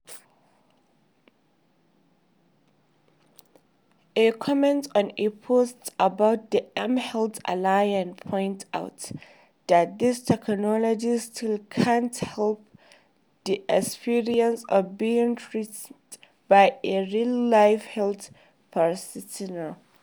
A comment on a post about the mHealth Alliance points out that this technology still can't replace the experience of being treated by a real live health practitioner.